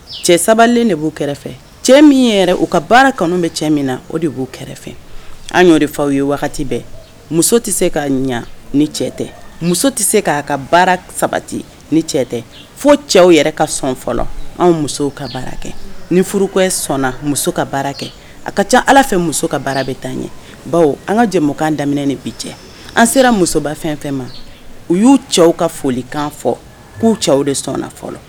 Cɛ sabalen de b'u kɛrɛfɛ cɛ min ye yɛrɛ u ka baara kanu bɛ cɛ min na o de b'u kɛrɛfɛ an' de faw ye wagati bɛɛ muso tɛ se k ka ɲɛ ni cɛ tɛ muso tɛ se k' ka baara sabati ni cɛ tɛ fo cɛw yɛrɛ ka sɔn fɔlɔ anw musow ka baara kɛ ni furu sɔnna muso ka baara kɛ a ka ca ala fɛ muso ka baara bɛ taa an ye baw an ka jɛkan daminɛ de bi cɛ an sera musoba fɛn fɛn ma u y'u cɛw ka foli kan fɔ k'u cɛw de sɔnna fɔlɔ